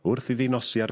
Wrth iddi nosi ar...